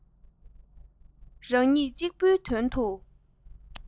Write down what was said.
རང ཉིད གཅིག པུའི དོན དུ